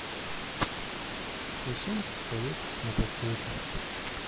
рисунки советских мотоциклов